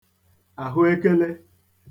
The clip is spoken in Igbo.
àhụekele